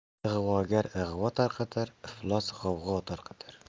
ig'vogar ig'vo tarqatar iflos g'avg'o tarqatar